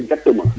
exactement